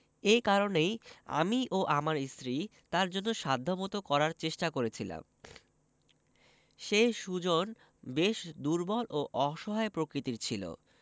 এ কারণেই আমি ও আমার স্ত্রী তাঁর জন্য সাধ্যমতো করার চেষ্টা করেছিলাম সে সুজন বেশ দুর্বল ও অসহায় প্রকৃতির ছিল